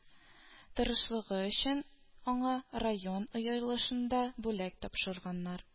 Тырышлыгы өчен аңа район ыелышында бүләк тапшырганнар